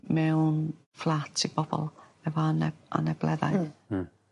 mewn fflat i bobol efo ane- anableddau. Hmm. Hmm.